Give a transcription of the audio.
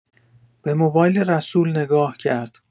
به موبایل رسول نگاه کرد.